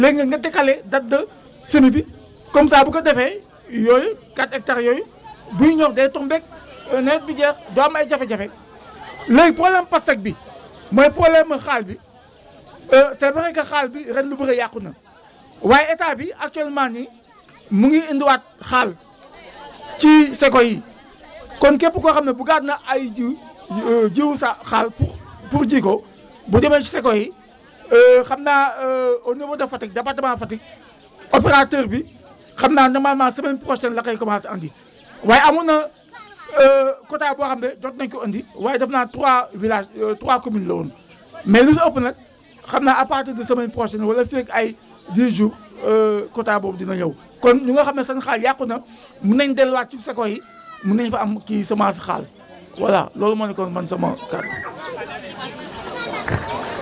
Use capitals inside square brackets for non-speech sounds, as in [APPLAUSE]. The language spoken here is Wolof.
léegi nag nga décalé date de semis bi comme ça bu ko defee yooyu 4 hectares yooyu [CROSSTALK] buy ñor day tombeeg nawet bi jeex doo am ay jafe-jafe [CROSSTALK] léegi problème mu pasteque bi [CROSSTALK] mooy problème xaal bi [CROSSTALK] [HESITATION] c' est vrai que xaal bi ren lu bëri yàqu na waaye état bi actuellement nii mu ngi indiwaat xaal [CROSSTALK] ci seko yi [CROSSTALK] kon képp koo xam ne bëggaat na ay jiw [CROSSTALK] [HESITATION] jiwu sa xaal pour [NOISE] pour ji ko boo demee si seko yi [HESITATION] xam naa [HESITATION] au niveau de Fatick département Fatick [CROSSTALK] opérateur bi xam naa normalement semaine prochaine la koy commencé andi [CROSSTALK] waaye amoon na [CROSSTALK] [HESITATION] quota boo xam ne jot nañu ko andi waaye defe naa 3 villages [HESITATION] 3 communes la woon [CROSSTALK] ùmais lu si ëpp nag xam na à partir de semaine prochaine wala fii ak ay 10 jours [HESITATION] quota boobu di na ñëw kon ñi nga xam ne seen xaal yàqu na [BREATH] mën nañ delluwaat ci seko yi mën nañu fa am kii semence xaam voilà loolu moo nekkoon man sama kaddu [CROSSTALK]